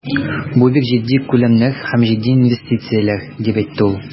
Бу бик җитди күләмнәр һәм җитди инвестицияләр, дип әйтте ул.